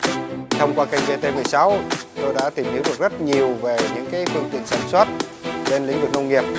thông qua kênh vê tê vê sáu tôi đã tìm hiểu được rất nhiều về những cái phương tiện sản xuất trên lĩnh vực nông nghiệp